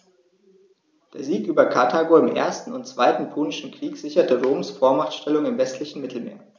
Der Sieg über Karthago im 1. und 2. Punischen Krieg sicherte Roms Vormachtstellung im westlichen Mittelmeer.